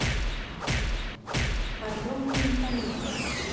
подъемные механизмы